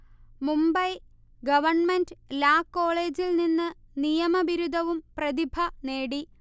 Mumbai government law കോളെജിൽ നിന്ന് നിയമ ബിരുദവും പ്രതിഭ നേടി